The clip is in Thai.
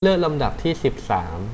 เลือกลำดับที่สิบสาม